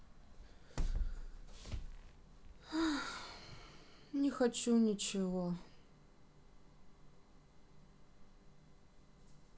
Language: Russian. не хочу ничего